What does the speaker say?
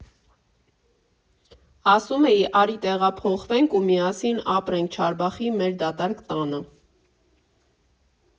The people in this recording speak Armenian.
Ասում էի՝ արի տեղափոխվենք ու միասին ապրենք Չարբախի մեր դատարկ տանը։